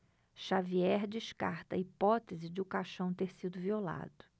xavier descarta a hipótese de o caixão ter sido violado